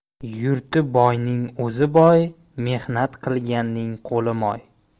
yurti boyning o'zi boy mehnat qilganning qo'li moy